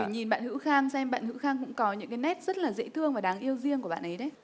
thử nhìn bạn hữu khang xem bạn hữu khang cũng có những nét rất là dễ thương và đáng yêu riêng của bạn ấy đấy